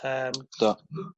yym... do